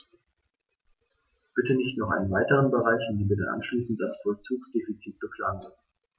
Bitte nicht noch einen weiteren Bereich, in dem wir dann anschließend das Vollzugsdefizit beklagen müssen.